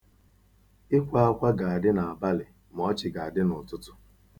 Ịkwa akwa ga-adị n'abalị ma ọchị ga-adị n'ụtụtụ.